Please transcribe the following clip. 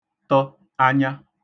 tə̣ anya